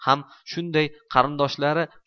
ham shunday qarindoshlari